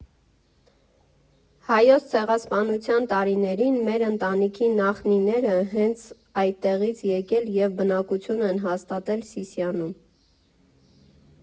Հայոց Ցեղասպանության տարիներին մեր ընտանիքի նախնիները հենց այդտեղից եկել և բնակություն են հաստատել Սիսիանում։